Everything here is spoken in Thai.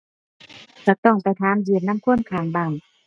ก็ต้องไปถามยืมนำคนข้างบ้าน